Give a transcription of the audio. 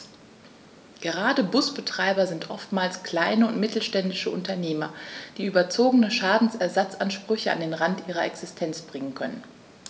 Gerade Busbetreiber sind oftmals kleine und mittelständische Unternehmer, die überzogene Schadensersatzansprüche an den Rand ihrer Existenz bringen können.